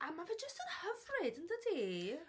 A mae fe jyst yn hyfryd, yndydi?